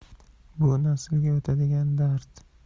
bu naslga o'tadigan dard